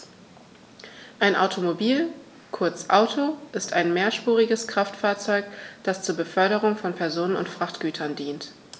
Ein Automobil, kurz Auto, ist ein mehrspuriges Kraftfahrzeug, das zur Beförderung von Personen und Frachtgütern dient.